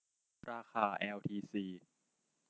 ราคาแอลทีซี